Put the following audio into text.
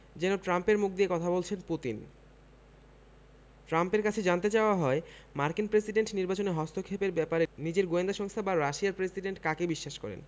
যেন ট্রাম্পের মুখ দিয়ে কথা বলছেন পুতিন ট্রাম্পের কাছে জানতে চাওয়া হয় মার্কিন প্রেসিডেন্ট নির্বাচনে হস্তক্ষেপের ব্যাপারে নিজের গোয়েন্দা সংস্থা বা রাশিয়ার প্রেসিডেন্ট কাকে বিশ্বাস করেন